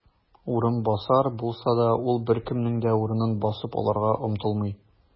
"урынбасар" булса да, ул беркемнең дә урынын басып алырга омтылмый.